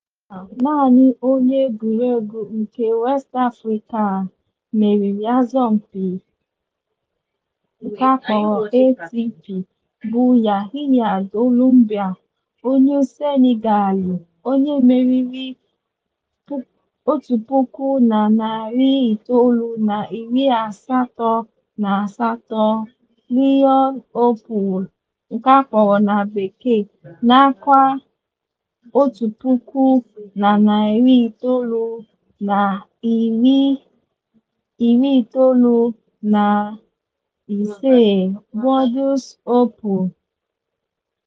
Ruo taa, naanị onye egwuruegwu nke West Africa meriri asọmpi ATP bụ Yahiya Doumbia onye Senegal, onye meriri 1988 Lyon Open nakwa 1995 Bordeaux Open.